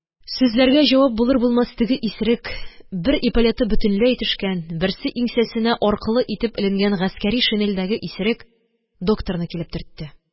Сүзләргә җавап булыр-булмас, теге исерек – бер эполеты бөтенләй төшкән, берсе иңсәсенә аркылы итеп эленгән гаскәри шинельдәге исерек – докторны килеп төртте